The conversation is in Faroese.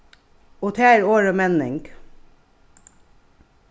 og tað er orðið menning